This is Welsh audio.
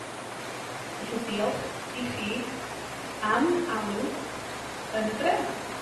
Felly diolch, i chi, am alw, yn y dre.